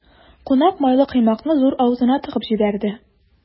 Кунак майлы коймакны зур авызына тыгып җибәрде.